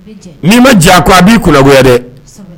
N ma jan ko a b'i kugoya dɛ